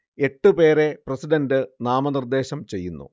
എട്ട് പേരെ പ്രസിഡന്റ് നാമനിർദ്ദേശം ചെയ്യുന്നു